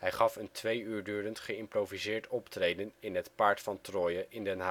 gaf een twee uur durend geïmproviseerd optreden in het Paard van Troje in Den